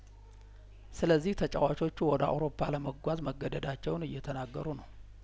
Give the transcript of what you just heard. ስለዚህ ተጫዋቾቹ ወደ አውሮፓ ለመጓዝ መገደዳቸውን እየተናገሩ ነው